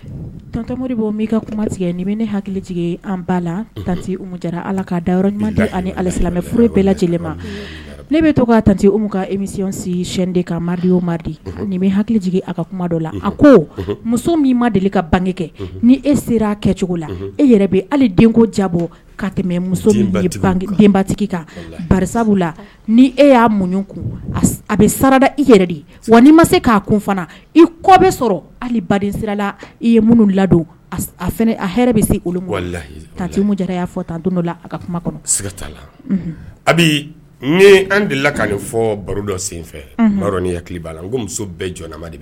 To ne bɛɛ lajɛlen ne bɛ to emi jigin a ko muso ma deli ka bange kɛ e ko jabɔ ka tɛmɛbatigi ni e y'a munɲ kun a bɛ sarada i yɛrɛ de ye wa'i ma se k'a kun fana i kɔ bɛ sɔrɔ ali baden sirala i ye minnu ladon a bɛ se olu y'a fɔ don dɔ la a ka kuma kɔnɔ a an de la ka fɔ baro dɔ senfɛya b'a la muso bɛɛ jɔ